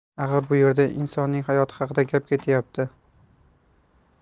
axir bu yerda insonning hayoti haqida gap ketyapti